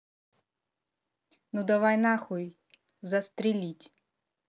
ну давай нахуй застрелить